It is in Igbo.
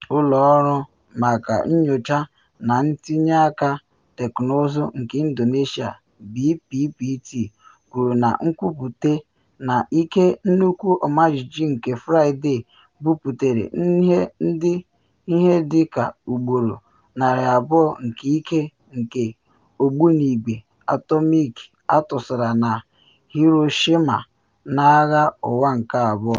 Ụlọ Ọrụ maka Nyocha na Ntinye nke Teknụzụ nke Indonesia (BPPT) kwuru na nkwupute na ike nnukwu ọmajiji nke Fraịde buputere dị ihe dị ka ugboro 200 nke ike nke ogbunigwe atọmik atụsara na Hiroshima na Agha Ụwa nke Abụọ.